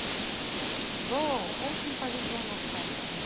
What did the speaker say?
cs go очень повезло на сайте